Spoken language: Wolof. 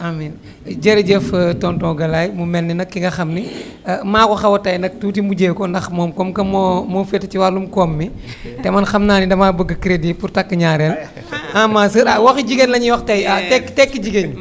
amiin jërëjëf tonton Galaye mu mel ne nag ki nga xam ni maa ko xaw a tey nag tuuti mujjee ko ndax moom comme que moo moo féete ci wàllum koom gi te man xam naa ni damaa bëgg crédit pour takk ñaareel ah ma soeur ah waxu jigéen la ñuy wax tey tekki jigéen ñ